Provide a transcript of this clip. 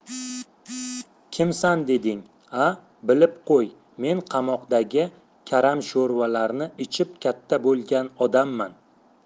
kimsan deding a bilib qo'y men qamoqdagi karamsho'rvalarni ichib katta bo'lgan odamman